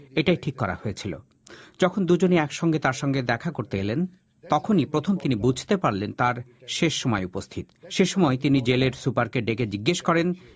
এটাই ঠিক করা হয়েছিল যখন দুজনে একসঙ্গে তার সাথে দেখা করতে এলেন তখনই প্রথম তিনি বুঝতে পারলেন তাঁর শেষ সময় উপস্থিত সে সময় তিনি জেলের সুপারকে ডেকে জিজ্ঞেস করেন